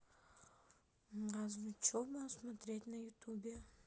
развлечеба смотреть в ютубе